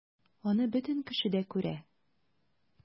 Аны бөтен кеше дә күрә...